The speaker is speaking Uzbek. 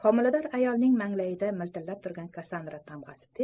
homilador ayolning manglayida miltillab turgan kassandra tamg'asi